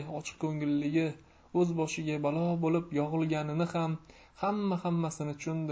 ochiqko'ngilligi o'z boshiga balo bo'lib yog'ilganini ham hamma hammasini tushundi